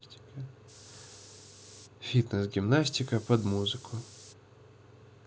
фитнес гимнастика под музыку